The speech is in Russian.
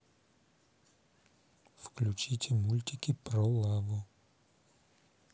включите мультики про лаву